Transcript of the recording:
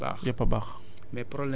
dañu naan résidus cultures yëpp a baax